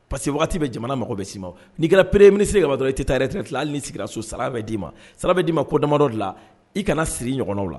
Pa que waati wagati bɛ jamana mago bɛ si ma n'i kɛra preeree mini se kamadɔ i tɛ taa yɛrɛre tila ni sigira so sara bɛ d'i ma sara bɛ d' ma ko damamadɔ dilan i kana siri ɲɔgɔnw la